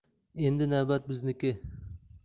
endi navbat bizniki